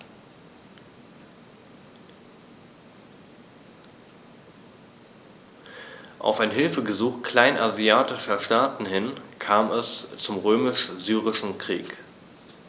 Auf ein Hilfegesuch kleinasiatischer Staaten hin kam es zum Römisch-Syrischen Krieg.